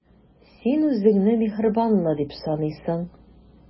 Син үзеңне миһербанлы дип саныйсың.